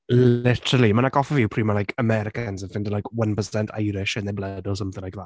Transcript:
Literally, mae’n atgoffa fi o pryd mae like, Americans yn ffindo like, one percent Irish in their blood or something like that.